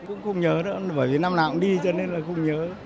cũng không nhớ nữa bởi vì năm nào cũng đi cho nên là không nhớ